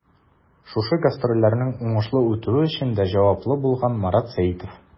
Шушы гастрольләрнең уңышлы үтүе өчен дә җаваплы булган Марат Сәитов.